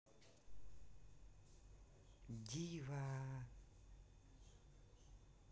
диво